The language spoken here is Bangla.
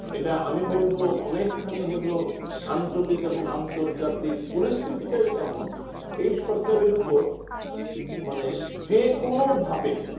এটা আমি বলব অনেকখানি হলেও আঞ্চলিক এবং আন্তর্জাতিক পরিস্থিতি টাই এমন এই সরকারের উপর মানে যেকোনো ভাবে